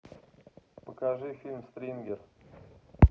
покажи фильм стрингер